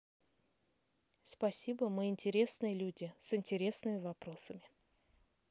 спасибо мы интересные люди с интересными вопросами